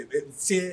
Sin